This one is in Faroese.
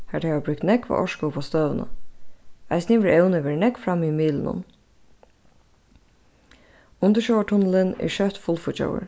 har tey hava brúkt nógva orku uppá støðuna eisini hevur evnið verið nógv frammi í miðlunum undirsjóvartunnilin er skjótt fullfíggjaður